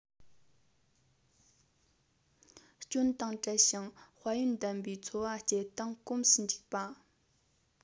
སྐྱོན དང བྲལ ཞིང དཔལ ཡོན ལྡན པའི འཚོ བ སྐྱེལ སྟངས གོམས སུ འཇུག པ